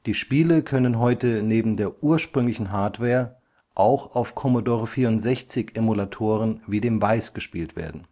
Spiele können heute neben der ursprünglichen Hardware auch auf Commodore 64-Emulatoren wie dem VICE gespielt werden